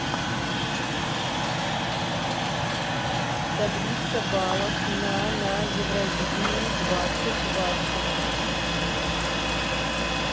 таблица балов на на евровидении двадцать двадцать